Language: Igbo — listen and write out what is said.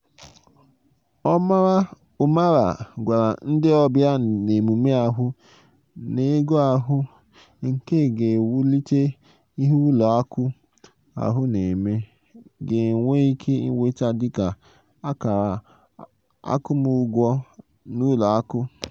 Omarah gwara ndị ọbịa n'emume ahụ na ego ahụ, nke ga-ewulite ihe ụlọ akụ ahụ na-eme, ga-enwe ike ịnweta dị ka akara akwụmụgwọ na ụlọ akụ, ego na-akwụ ụgwọ na ndị ọrụ na dị ka nkwa.